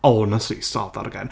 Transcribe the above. Honestly, start that again.